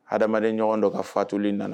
Adamaden ɲɔgɔn dɔ ka faatuli nana